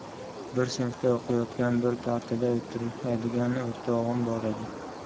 bir sinfda o'qiydigan bir partada o'tiradigan o'rtog'im bor edi